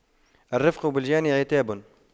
الرفق بالجاني عتاب